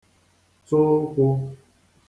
-tụ ụkwụ